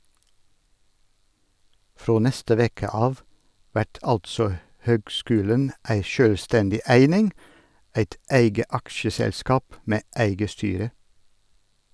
Frå neste veke av vert altså høgskulen ei sjølvstendig eining, eit eige aksjeselskap med eige styre.